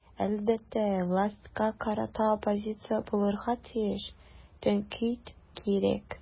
Әлбәттә, властька карата оппозиция булырга тиеш, тәнкыйть кирәк.